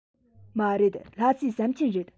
མ རེད ལྷ སའི ཟམ ཆེན རེད